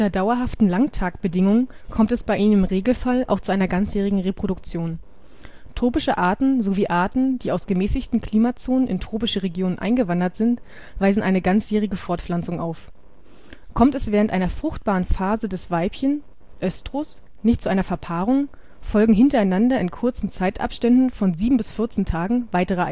dauerhaften Langtagbedingungen kommt es bei ihnen im Regelfall auch zu einer ganzjährigen Reproduktion. Tropische Arten sowie Arten, die aus gemäßigten Klimazonen in tropische Regionen eingewandert sind, weisen eine ganzjährige Fortpflanzung auf. Kommt es während einer fruchtbaren Phase der Weibchen (Östrus) nicht zu einer Verpaarung, folgen hintereinander in kurzen Zeitabständen von 7 bis 14 Tagen weitere